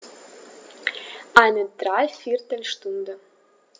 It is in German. Eine dreiviertel Stunde